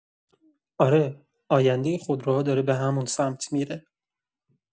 آره، آینده خودروها داره به همون سمت می‌ره.